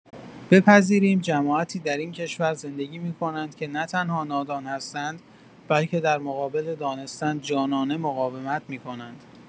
بپذیریم جماعتی در این کشور زندگی می‌کنند که نه‌تنها نادان هستند بلکه در مقابل دانستن، جانانه مقاومت می‌کنند.